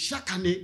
Chaque année